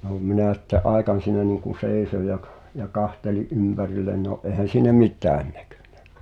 no minä sitten aikani siinä niin kuin seisoin ja - ja katselin ympärilleni no eihän siinä mitään näkynyt